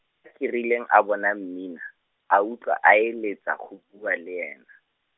Kerileng a bona Mmina, a utlwa a eletsa go bua le ene.